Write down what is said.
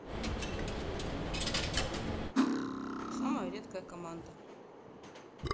самая редкая команда